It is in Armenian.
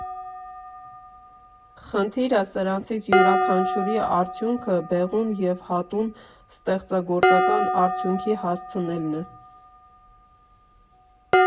Խնդիրը սրանցից յուրաքանչյուրի արդյունքը բեղուն և հասուն ստեղծագործական արդյունքի հասցնելն է։